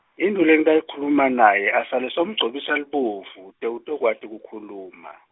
intfo lengitayikhuluma naye asale sewumugcobisa libovu, te utokwati kukhuluma.